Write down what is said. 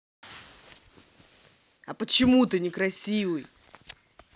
а почему ты некрасивый